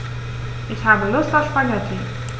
Ich habe Lust auf Spaghetti.